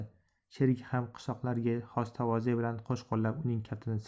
sherigi ham qishloqilarga xos tavoze biian qo'shqo'llab uning kaftini qisdi